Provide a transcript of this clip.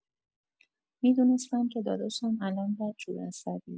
می‌دونستم که داداشم الان بدجور عصبیه